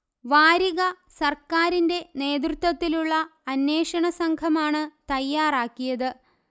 വാരിക സർക്കാരിന്റെ നേതൃത്വത്തിലുള്ള അന്വേഷക സംഘമാണ് തയ്യാറാക്കിയത്